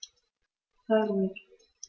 Sei ruhig.